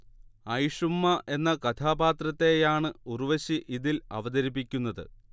ഐഷുമ്മ എന്ന കഥാപാത്രത്തെയാണ് ഉർവശി ഇതിൽ അവതരിപ്പിക്കുന്നത്